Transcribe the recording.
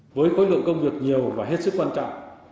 với khối lượng công việc nhiều và hết sức quan trọng